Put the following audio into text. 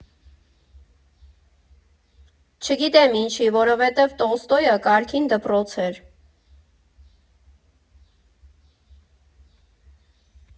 Չգիտեմ ինչի, որովհետև Տոլստոյը կարգին դպրոց էր։